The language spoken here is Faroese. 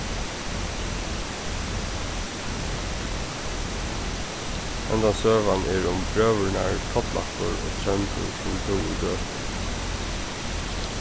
hendan søgan er um brøðurnar tollakur og tróndur sum búðu í gøtu